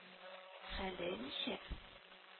— хәле ничек